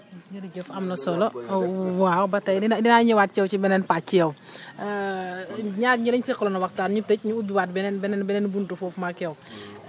jërëjëf am na solo waaw ba tey dina dinaa ñëwaat ci yow ci beneen pàcc yow ñaar ñii lañ seqaloon waxtaan ñu tëj ñu ubbiwaat beneen beneen beneen buntu foofu maag yow